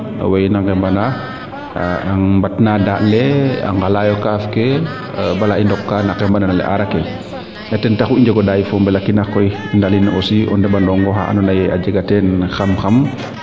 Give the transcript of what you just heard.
owey na ŋemana a mbatna daand le a ŋalayo kaaf ke bala i ndoka no qemandale arake ten taxu i njego ndaay fo o mbelaxinax koy lalin aussi o ndeɓanonga xa ando naye a jega teen xam xam